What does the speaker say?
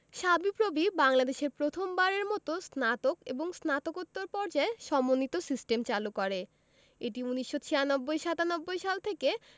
সাবিপ্রবি বাংলাদেশে প্রথম বারের মতো স্নাতক এবং স্নাতকোত্তর পর্যায়ে সমন্বিত সিস্টেম চালু করে এটি ১৯৯৬ ৯৭ সাল থেকে